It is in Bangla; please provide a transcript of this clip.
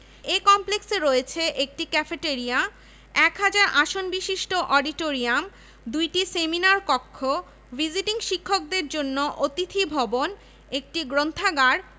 রোভার স্কাউট অ্যাসোসিয়েশন এবং পরবর্তীকালে ছাত্রীদের রেঞ্জার প্রশিক্ষণের ব্যবস্থা করা হয় ছাত্রদের বিভিন্ন প্রশিক্ষণ লেখাপড়া এবং বিশ্বের বিভিন্ন দেশে